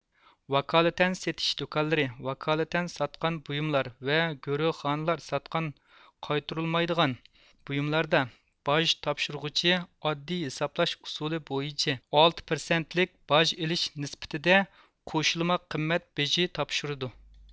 ۋاكالىتەن سېتىش دۇكانلىرى ۋاكالىتەن ساتقان بويۇملار ۋە گۆرۆخانىلار ساتقان قايتۇرۇلمايدىغان بۇيۇملاردا باج تاپشۇرغۇچى ئاددىي ھېسابلاش ئۇسۇلى بويىچە ئالتە پىرسەنتلىك باج ئېلىش نىسبىتىدە قوشۇلما قىممەت بېجى تاپشۇرىدۇ